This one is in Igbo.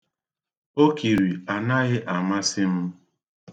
Okiri anaghị amasị m